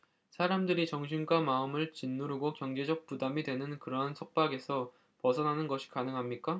사람들이 정신과 마음을 짓누르고 경제적 부담이 되는 그러한 속박에서 벗어나는 것이 가능합니까